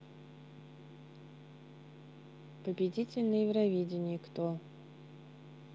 победитель на евровидении кто